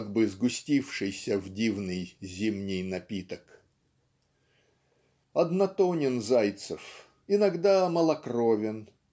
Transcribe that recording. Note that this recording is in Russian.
как бы сгустившийся в дивный зимний напиток". Однотонен Зайцев, иногда малокровен